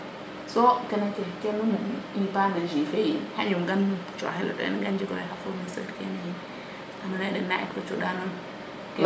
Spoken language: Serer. so kene keene nu yipa no jeus fe yin xaƴum gan coxelo ten wala gen njegoyo xa fournisseur kene yiin ando naye dena et ko coɗa nuun